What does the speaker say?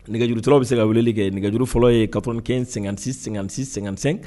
Nɛgɛjurutɔ bɛ se ka wuli kɛ nɛgɛjuru fɔlɔ ye kap sɛgɛnsɛsi sɛgɛnsɛ